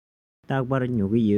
རྟག པར ཉོ གི ཡོད